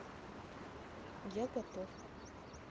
я готов